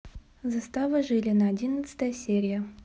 застава жилина одиннадцатая серия